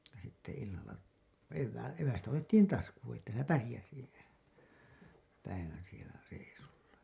sitten illalla - evästä otettiin taskuun että siellä pärjäsi päivän siellä reissulla